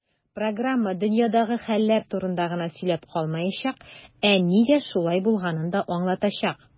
Программа "дөньядагы хәлләр турында гына сөйләп калмаячак, ә нигә шулай булганын да аңлатачак".